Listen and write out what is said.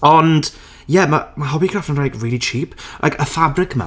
Ond, ie, ma' ma' Hobbycraft yn like, really cheap. Like, y ffabrig 'ma...